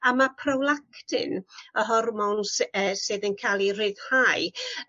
a ma' prolactin y hormon sy- yy sydd yn ca'l 'i ryddhau